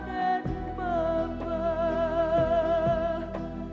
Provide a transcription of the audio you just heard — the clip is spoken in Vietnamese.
đến bơ vơ